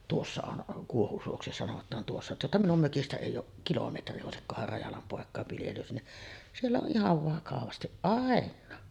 tuossa on Kuohusuoksi sanotaan tuossa tuosta minun mökistä ei ole kilometri olisikohan Rajalan poikien viljelys niin siellä on ihan vakavasti ainakin